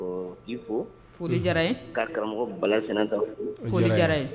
I fo jara ye ka karamɔgɔ bana fana ta